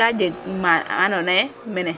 ka jeg ma andoona yee mene,